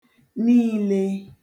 niìle